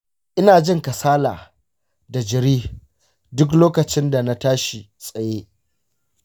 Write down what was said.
ina jin kasala da jiri duk lokacin da na tashi tsaye.